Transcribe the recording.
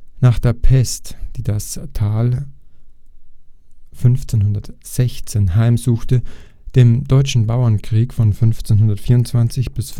Nach der Pest, die das Tal 1516 heimsuchte, dem Deutschen Bauernkrieg (1524 –